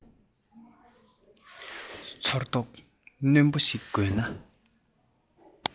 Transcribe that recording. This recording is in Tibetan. ཚོར རྟོག རྣོན པོ ཞིག དགོས ན